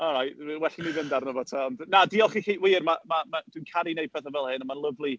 Alright, well i fi fynd arno fo ta. Ond na, diolch i chi wir, ma' ma'... Dwi'n caru wneud pethe fel hyn a mae'n lyfli.